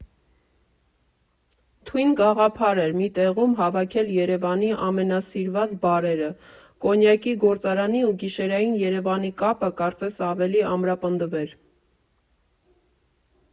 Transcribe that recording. Թույն գաղափար էր՝ մի տեղում հավաքել Երևանի ամենասիրված բարերը, Կոնյակի գործարանի ու գիշերային Երևանի կապը կարծես ավելի ամրապնդվեր»։